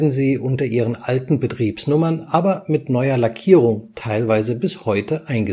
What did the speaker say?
sie unter ihren alten Betriebsnummern aber mit neuer Lackierung teilweise bis heute ein